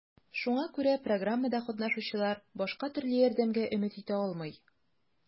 Шуңа күрә программада катнашучылар башка төрле ярдәмгә өмет итә алмый.